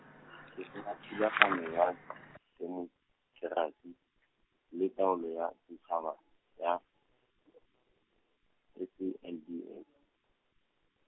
ke tlotla thulaganyo ya, temokerasi le taolo ya setšhaba ya, S A N D F.